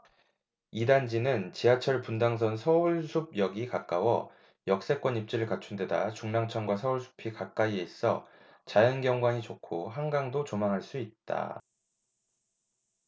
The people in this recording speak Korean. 이 단지는 지하철 분당선 서울숲역이 가까워 역세권 입지를 갖춘 데다 중랑천과 서울숲이 가까이에 있어 자연경관이 좋고 한강도 조망할 수 있다